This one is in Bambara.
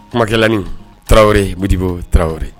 Kumakɛlani taraweleore modibubo taraweleore